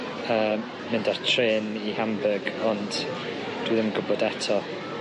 yym mynd ar trên i Hamburg ond dwi ddim yn gwbod eto.